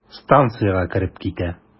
Станциягә кереп китә.